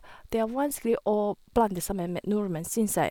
Det er vanskelig å blande sammen med nordmenn, syns jeg.